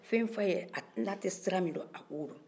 fɛn f'a ye n'a tɛ sira min don a ko don